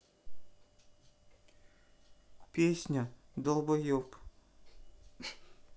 песня долбоеб